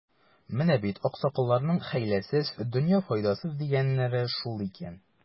Менә бит, аксакалларның, хәйләсез — дөнья файдасыз, дигәннәре шул икән.